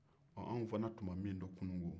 ɔ anw fana tun ma min dɔn kunu ko